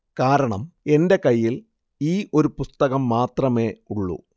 കാരണം എന്റെ കയ്യിൽ ഈ ഒരു പുസ്തകം മാത്രമേ ഉള്ളൂ